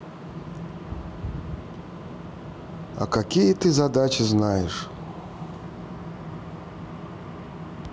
а какие ты задачи знаешь